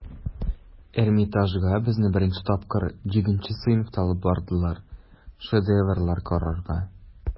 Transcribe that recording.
Эрмитажга безне беренче тапкыр җиденче сыйныфта алып бардылар, шедеврлар карарга.